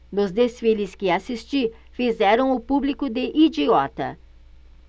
nos desfiles que assisti fizeram o público de idiota